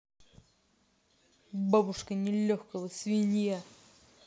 бабушка нелегкого свинья